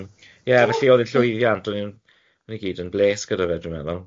Hmm ie felly oedd e'n llwyddiant o'n i'n o'n i gyd yn bles gyda fe dwi'n meddwl.